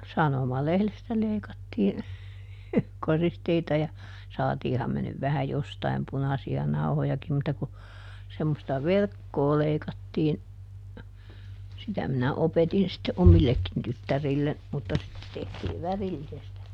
sanomalehdestä leikattiin koristeita ja saatiinhan me nyt vähän jostakin punaisia nauhojakin mutta kun semmoista verkkoa leikattiin sitä minä opetin sitten omillekin tyttärille mutta sitten tehtiin värillisestä